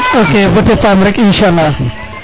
ok bo ta paam rek inchaala